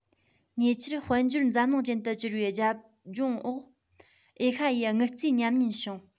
ཉེ ཆར དཔལ འབྱོར འཛམ གླིང ཅན དུ གྱུར པའི རྒྱབ ལྗོངས འོག ཨེ ཤ ཡའི དངུལ རྩའི ཉམས ཉེན བྱུང